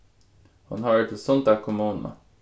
hon hoyrir til sunda kommunu